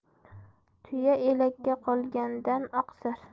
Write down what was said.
tuya elakka qolganda oqsar